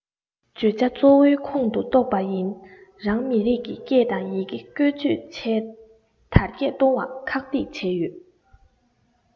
བརྗོད བྱ གཙོ བོའི ཁོངས སུ གཏོགས པ ཡིན རང མི རིགས ཀྱི སྐད དང ཡི གེ བཀོལ སྤྱོད བྱས དར རྒྱས གཏོང བར ཁག ཐེག བྱས ཡོད